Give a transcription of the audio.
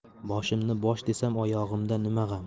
boshimni bosh desam oyog'imda nima g'am